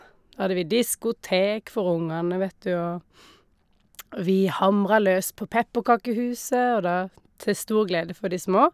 Da hadde vi diskotek for ungene, vet du, og vi hamra løs på pepperkakehuset, og da til stor glede for de små.